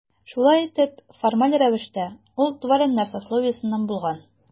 Шулай итеп, формаль рәвештә ул дворяннар сословиесеннән булган.